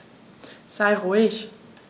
Sei ruhig.